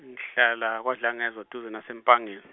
ngihlala kwaDlangezwa duze naseMpangeni.